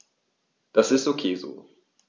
Das ist ok so.